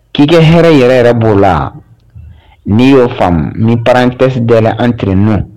K'i kɛ hɛrɛ yɛrɛ yɛrɛ'o la n'i y'o faamu ni parɛntesi dala la antirun